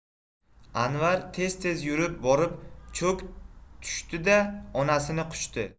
anvar tez tez yurib borib cho'k tushdi da onasini quchdi